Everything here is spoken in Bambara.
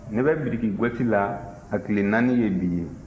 n bɛ biriki gosi la a tile naani ye bi ye